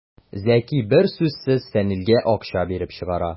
Зәки бер сүзсез Фәнилгә акча биреп чыгара.